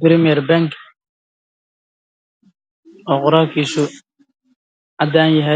Meeshan waa qoraal premier